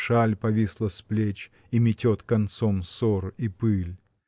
шаль повисла с плеч и метет концом сор и пыль.